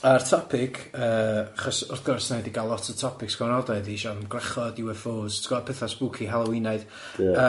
A'r topic yy achos wrth gwrs wna i di ga'l lot o topics gyfnodol i fi isio am gwrachod, ufo's, tibod petha spooky Halloweenaidd. Ia.